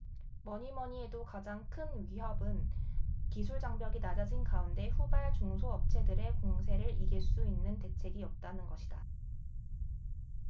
뭐니뭐니해도 가장 큰 위협은 기술장벽이 낮아진 가운데 후발 중소업체들의 공세를 이길 수 있는 대책이 없다는 것이다